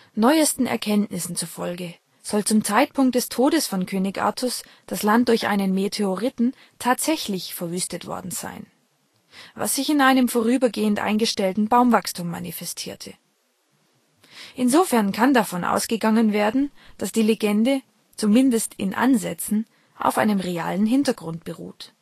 Neuesten Erkenntnissen zufolge soll zum Zeitpunkt des Todes von König Artus das Land durch einen Meteoriten tatsächlich verwüstet worden sein, was sich in einem vorübergehend eingestellten Baumwachstum manifestierte. Insofern kann davon ausgegangen werden, dass die Legende zumindest in Ansätzen auf einem realen Hintergrund beruht